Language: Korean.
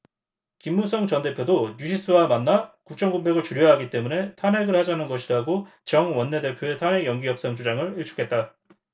김무성 전 대표도 뉴시스와 만나 국정 공백을 줄여야 하기 때문에 탄핵을 하자는 것이라고 정 원내대표의 탄핵 연기협상 주장을 일축했다